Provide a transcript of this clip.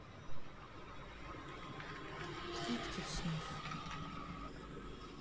сладких снов